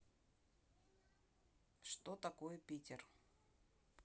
что такое питер